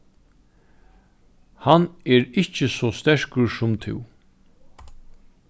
hann er ikki so sterkur sum tú